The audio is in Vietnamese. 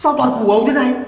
sao toàn của ông thế này